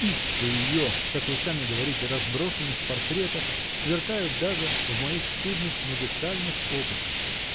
Искры ее, как вы сами говорите, разбросаны в портретах, сверкают даже в моих скудных музыкальных опытах!.